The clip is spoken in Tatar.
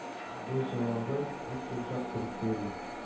Бу җавабы бик йомшак кебек тоелды